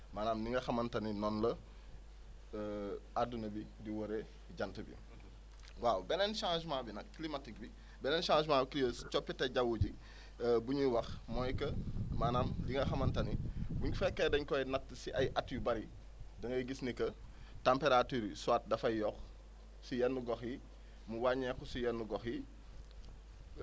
maanaam ni nga xamante ni noonu la adduna bi di wëree jant bi waaw beneen changement bi nag climatique bi beneen changement kii coppite jaww ji bu ñuy wax mooy que maanaam bi nga xamante ni bu fekkee dañ koy natt si ay at yu bëri da ngay gis ni que température yi soit dafay yokk si yenn gox yi mu wàññeeku si yenn gox yi